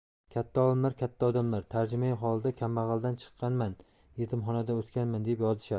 katta olimlar katta odamlar tarjimai holida kambag'aldan chiqqanman yetimxonada o'sganman deb yozishadi